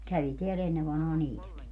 kävi täällä ennen vanhaan niitäkin